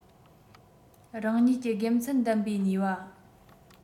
རང ཉིད ཀྱི དགེ མཚན ལྡན པའི ནུས པ